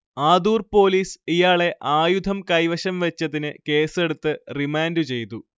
Adoor police ഇയാളെ ആയുധം കൈവശംവച്ചതിന് കേസെടുത്ത് റിമാൻഡുചെയ്തു